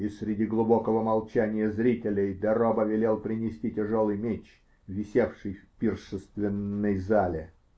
И среди глубокого молчания зрителей де Роба велел принести тяжелый меч, висевший в пиршественной зале.